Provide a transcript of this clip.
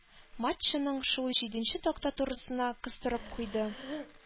Матчаның шул җиденче такта турысына кыстырып куйды.